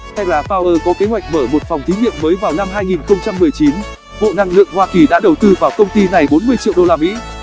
terrapower có kế hoạch mở một phòng thí nghiệm mới vào năm bộ năng lượng hoa kỳ đã đầu tư vào công ty này triệu usd